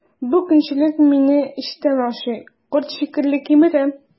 Бу көнчелек мине эчтән ашый, корт шикелле кимерә.